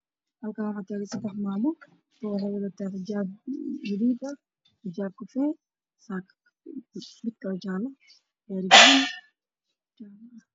Halkaan waxaa taagan seddex maamo mid waxay wadataa xijaab gariija, midn xijaab kafay iyo saako , mid kale xijaab jaale ah.